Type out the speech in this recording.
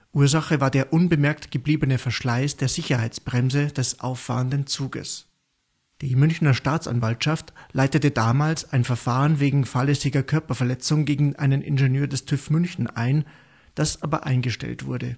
Ursache war der unbemerkt gebliebene Verschleiß der Sicherheitsbremse des auffahrenden Zuges. Die Münchner Staatsanwaltschaft leitete damals ein Verfahren wegen fahrlässiger Körperverletzung gegen einen Ingenieur des TÜV München ein, das aber eingestellt wurde